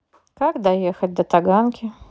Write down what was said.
как доехать до таганки